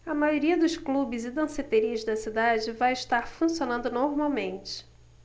a maioria dos clubes e danceterias da cidade vai estar funcionando normalmente